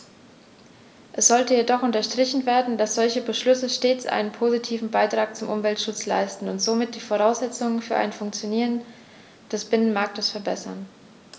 Es sollte jedoch unterstrichen werden, dass solche Beschlüsse stets einen positiven Beitrag zum Umweltschutz leisten und somit die Voraussetzungen für ein Funktionieren des Binnenmarktes verbessern.